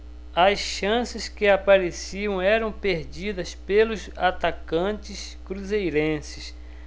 as chances que apareciam eram perdidas pelos atacantes cruzeirenses